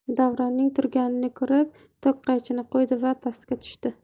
davronning turganini ko'rib tokqaychini qo'ydi da pastga tushdi